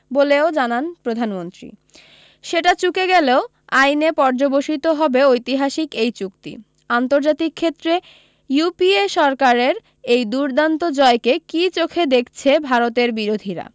বলেও জানান প্রধানমন্ত্রী সেটা চুকে গেলেই আইনে পর্যবসিত হবে ঐতিহাসিক এই চুক্তি আন্তর্জাতিক ক্ষেত্রে ইউপিএ সরকারের এই দুর্দান্ত জয়কে কী চোখে দেখছে ভারতের বিরোধীরা